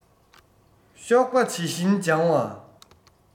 གཤོག པ ཇི བཞིན ལྗང བ